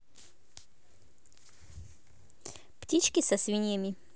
птички со свиньями